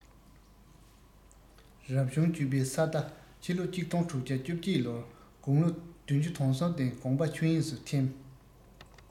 རབ བྱུང བཅུ བའི ས རྟ ཕྱི ལོ ༡༦༡༨ ལོར དགུང ལོ བདུན ཅུ དོན གསུམ སྟེང དགོངས པ ཆོས དབྱིངས སུ འཐིམས